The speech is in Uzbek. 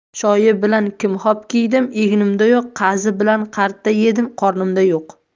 shoyi bilan kimxob kiydim egnimda yo'q qazi bilan qarta yedim qornimda yo'q